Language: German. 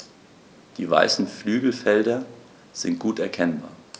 Die weißen Flügelfelder sind gut erkennbar.